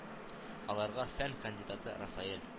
Аларга фән кандидаты Рафаэль